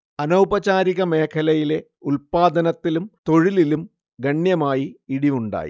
അനൗപചാരിക മേഖലയിലെ ഉത്പാദനത്തിലും തൊഴിലിലും ഗണ്യമായി ഇടിവുണ്ടായി